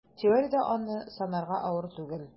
Теориядә аны санарга авыр түгел: